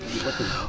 Fatick